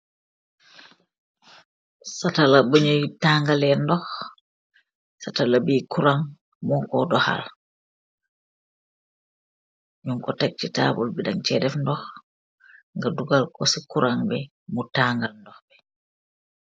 satala bunyew dagaleh douh.